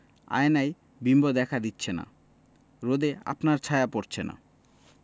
আয়নায় বিম্ব দেখা দিচ্ছে না রোদে আপনার ছায়া পড়ছে না...